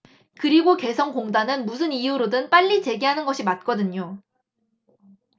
그리고 개성공단은 무슨 이유로든 빨리 재개하는 것이 맞거든요